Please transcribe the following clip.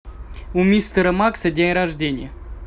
у мистера макса день рождения